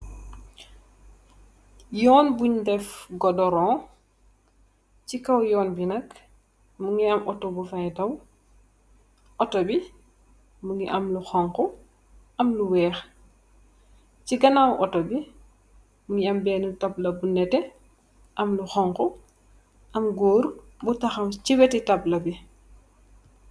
Yun bunye deff godorong si kaw bi nak mungi am autor bufy daw autor bi mungi lu xhong khu am lu wekh si ganaw autor ni mungi am tabla bu neteh am lu xhong khu am goor bu takhaw si wetu tabla bi